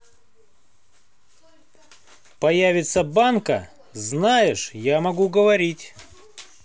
появится банка знаешь я могу говорить